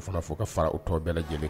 O fana fɔ ka fara u tɔ bɛɛ lajɛlen